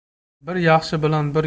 bir yaxshi bilan bir